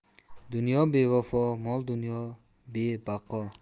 dunyo bevafo mol dunyo bebaqo